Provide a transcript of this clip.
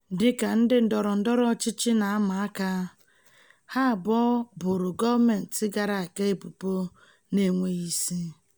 Dị ka ndị ndọrọ ndọrọ ọchịchị na-ama aka, ha abụọ boro gọọmentị gara aga ebubo na-enweghị isi.